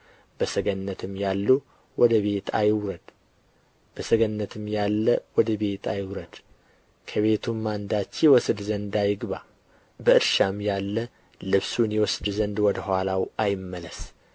በሰገነትም ያለ ወደ ቤት አይውረድ ከቤቱም አንዳች ይወስድ ዘንድ አይግባ በእርሻም ያለ ልብሱን ይወስድ ዘንድ ወደ ኋላው አይመለስ